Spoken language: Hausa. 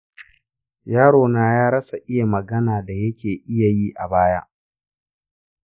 yaro na ya rasa iya magana da yake iya yi a baya.